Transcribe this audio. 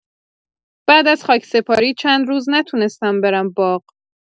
بعد از خاکسپاری، چند روز نتونستم برم باغ.